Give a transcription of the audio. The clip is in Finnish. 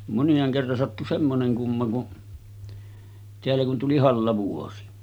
moniaan kerran sattui semmoinen kumma kun täällä kun tuli hallavuosi